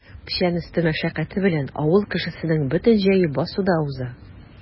Печән өсте мәшәкате белән авыл кешесенең бөтен җәе басуда уза.